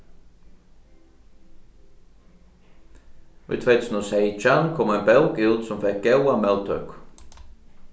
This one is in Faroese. í tvey túsund og seytjan kom ein bók út sum fekk góða móttøku